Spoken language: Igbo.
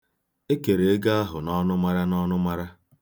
E kere ego ahụ n'ọnụmara n'ọnụmara.